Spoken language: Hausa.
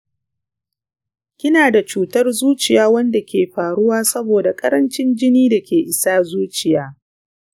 kina da cutar zuciya wadda ke faruwa saboda ƙarancin jinin da ke isa zuciya.